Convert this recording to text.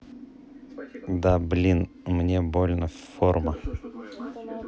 да блин мне больно форма